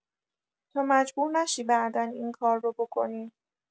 تا مجبور نشی بعدا این کار رو بکنی!